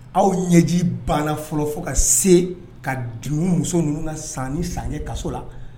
Aw ɲɛji banna fɔlɔ fo ka se ka muso ninnu na san ni san ye kaso la